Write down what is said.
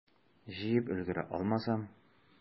Җыеп өлгерә алмасам?